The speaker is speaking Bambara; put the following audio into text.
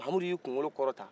mahamudu y'a kunkolo kɔrɔta